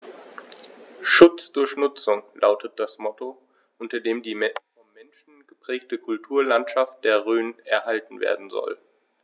„Schutz durch Nutzung“ lautet das Motto, unter dem die vom Menschen geprägte Kulturlandschaft der Rhön erhalten werden soll.